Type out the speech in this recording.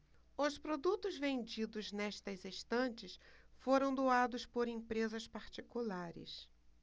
os produtos vendidos nestas estantes foram doados por empresas particulares